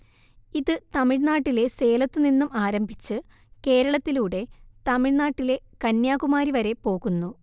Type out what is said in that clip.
ഇത് തമിഴ് നാട്ടിലെ സേലത്തുനിന്നും ആരംഭിച്ച് കേരളത്തിലൂടെ തമിഴ് നാട്ടിലെ കന്യാകുമാരി വരെ പോകുന്നു